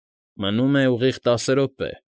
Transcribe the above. Մնում է ուղիղ տասը րոպե։